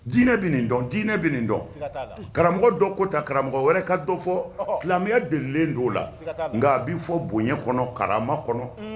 Dinɛ bɛ nin dɔninɛ bɛ nin dɔn karamɔgɔ dɔn ko ta karamɔgɔ wɛrɛ ka dɔ fɔ silamɛya delilen don la nka a bɛ fɔ bonya kɔnɔ karama kɔnɔ